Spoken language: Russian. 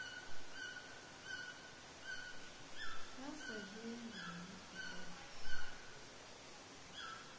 трасса е девяносто пять